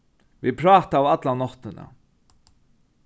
vit prátaðu alla náttina